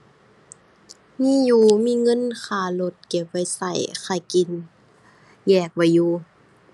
มีอยู่ มีเงินค่ารถเก็บไว้ใช้ ค่ากิน แยกไว้อยู่